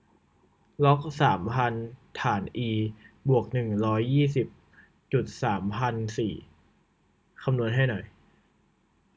ล็อกสามพันฐานอีบวกหนึ่งร้อยยี่สิบจุดสามพันสี่คำนวณให้หน่อย